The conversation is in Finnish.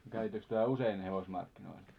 kävittekö te usein hevosmarkkinoilla